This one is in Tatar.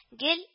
Гел